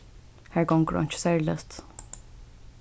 har gongur einki serligt